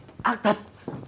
ác thật